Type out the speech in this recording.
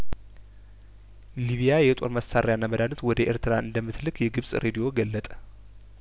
ሊቢያየጦር መሳሪያና መድሀኒት ወደ ኤርትራ እንደምት ልክ የግብጽ ሬዲዮ ገለጠ